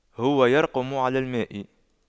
هو يرقم على الماء